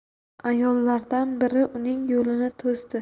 ayollardan biri uning yo'lini to'sdi